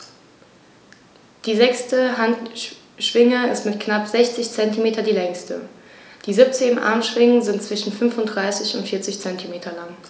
Die sechste Handschwinge ist mit knapp 60 cm die längste. Die 17 Armschwingen sind zwischen 35 und 40 cm lang.